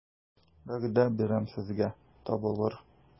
Вәгъдә бирәм сезгә, табылыр...